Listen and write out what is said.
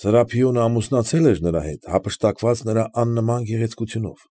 Սրափիոնը ամուսնացել էր նրա հետ, հափշտակված նրա աննման գեղեցկությունով։